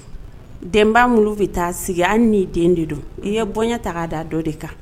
Denba minnu bɛ taa sigi hali ni den de don i ye bonya ta da dɔ de kan